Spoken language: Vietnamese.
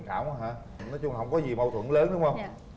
cảm quá hả nói chung hổng có gì mẫu thuẫn lớn đúng hông